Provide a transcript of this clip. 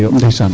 Ndeysaan